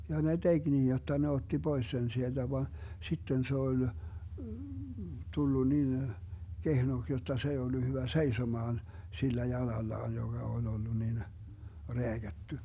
ja ne teki niin jotta ne otti pois sen sieltä vaan sitten se oli tullut niin kehnoksi jotta se ei ollut hyvä seisomaan sillä jalallaan joka oli ollut niin rääkätty